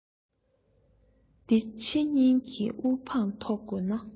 འདི ཕྱི གཉིས ཀྱི དབུ འཕངས མཐོ དགོས ན